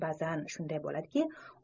ba'zan shunday bo'ladiki